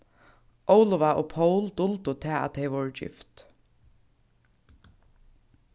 óluva og pól duldu tað at tey vóru gift